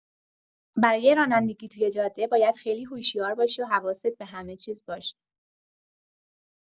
برای رانندگی توی جاده باید خیلی هوشیار باشی و حواست به همه‌چیز باشه.